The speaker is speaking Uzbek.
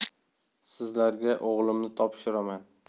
sizlarga o'g'limni topshiraman